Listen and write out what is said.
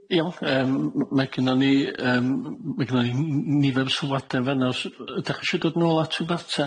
Iawn, yym m- m- mae ginnon ni yym, m- m- m- ma ginnon m- m- m- nifer o sylwade fen'na os... Ydach chisio dod nôl at y data?